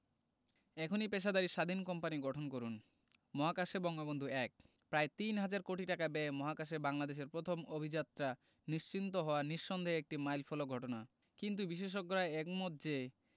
এখনই পেশাদারি স্বাধীন কোম্পানি গঠন করুন মহাকাশে বঙ্গবন্ধু ১ প্রায় তিন হাজার কোটি টাকা ব্যয়ে মহাকাশে বাংলাদেশের প্রথম অভিযাত্রা নিশ্চিন্ত হওয়া নিঃসন্দেহে একটি মাইলফলক ঘটনা কিন্তু বিশেষজ্ঞরা একমত যে